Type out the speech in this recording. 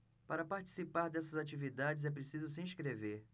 para participar dessas atividades é preciso se inscrever